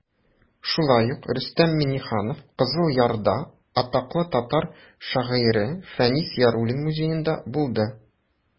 Шулай ук Рөстәм Миңнеханов Кызыл Ярда атаклы татар шагыйре Фәнис Яруллин музеенда булды.